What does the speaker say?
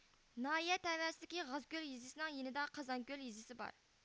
ناھىيە تەۋەسىدىكى غازكۆل يېزىسىنىڭ يېنىدا قازانكۆل يېزىسى بار